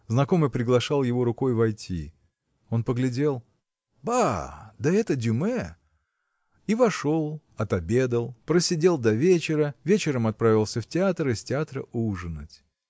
Знакомый приглашал его рукой войти. Он поглядел. Ба! да это Дюмэ! И вошел отобедал просидел до вечера вечером отправился в театр из театра ужинать.